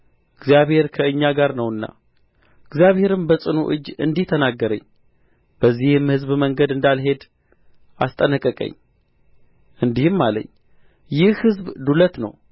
እግዚአብሔር ከእኛ ጋር ነውና እግዚአብሔርም በጽኑ እጅ እንዲህ ተናገረኝ በዚህም ሕዝብ መንገድ አንዳልሄድ አስጠነቀቀኝ እንዲህም አለኝ ይህ ሕዝብ ዱለት ነው